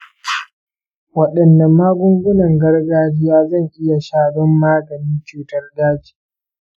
wadanne magungunan gargajiya zan iya sha don maganin cutar daji?